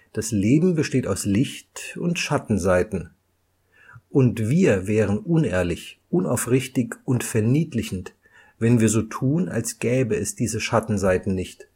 Das Leben besteht aus Licht - und Schattenseiten. Und wir wären unehrlich, unaufrichtig und verniedlichend, wenn wir so tun, als gäbe es diese Schattenseiten nicht